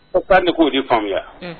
O k ka ne k o di faamuya